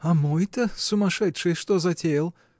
— А мой-то сумасшедший что затеял!.